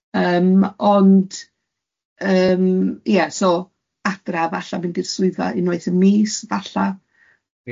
Yym ond, yym ie, so, adra, falla mynd i'r swyddfa unwaith y mis, falla. Ia.